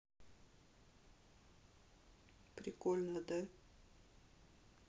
прикольно да